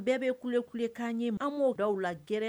N bɛɛ bɛ kule kulekan ɲɛ an b'o dɔw aw la gɛrɛ